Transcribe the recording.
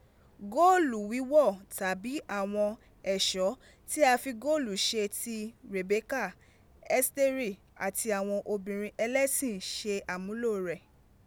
Gọ́ọ̀lù wíwọ́ tàbí àwọn ẹ̀ṣọ́ tí a fi góòlù ṣe ti Rèbékà, Ẹ́sítérì àti àwọn obìnrin ẹlẹ́sìn ṣe àmúlò rẹ̀